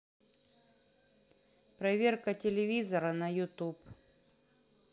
проверка телевизора на ютуб